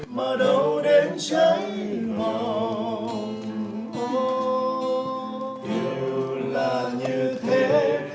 mà đau đến cháy mòn ô yêu là như thế